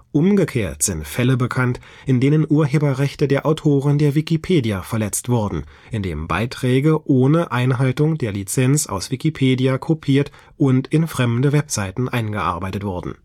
Umgekehrt sind Fälle bekannt, in denen Urheberrechte der Autoren der Wikipedia verletzt wurden, indem Beiträge ohne Einhaltung der Lizenz aus Wikipedia kopiert und in fremde Webseiten eingearbeitet wurden